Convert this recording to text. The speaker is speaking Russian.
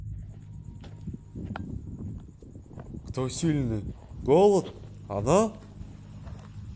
кто сильный голод она